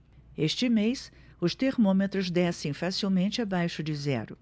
este mês os termômetros descem facilmente abaixo de zero